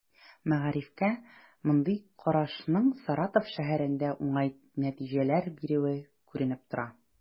Мәгарифкә мондый карашның Саратов шәһәрендә уңай нәтиҗәләр бирүе күренеп тора.